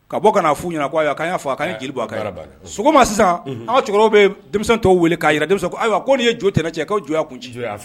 Ka bɔ kana fu ɲɛna'a fɔ ni sisan aw cɛkɔrɔba bɛ denmisɛn tɔw weele k'a ko nin ye jo tɛ cɛ ka joya kun